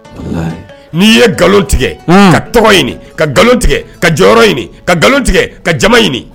Ni ye ngalon tigɛ ka tɔgɔ ɲini ka ngalon tigɛ ka jɔyɔrɔ ɲini ka ngalon tigɛ ka jama ɲini